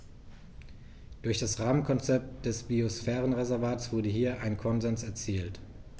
Durch das Rahmenkonzept des Biosphärenreservates wurde hier ein Konsens erzielt.